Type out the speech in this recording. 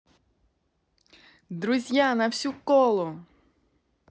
друзья на всю колу